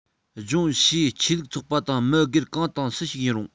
ལྗོངས ཕྱིའི ཆོས ལུགས ཚོགས པ དང མི སྒེར གང དང སུ ཞིག ཡིན རུང